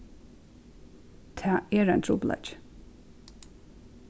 tað er ein trupulleiki